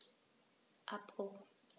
Abbruch.